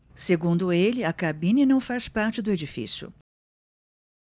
segundo ele a cabine não faz parte do edifício